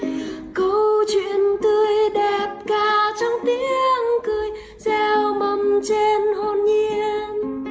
câu chuyện tươi đẹp ca trong tiếng cười gieo mầm trên hồn nhiên